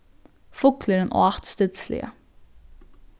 fuglurin át stillisliga